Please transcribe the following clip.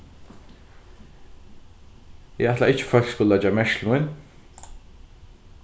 eg ætlaði ikki at fólk skuldu leggja merki til mín